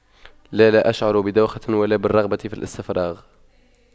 لا لا أشعر بدوخة ولا بالرغبة في الاستفراغ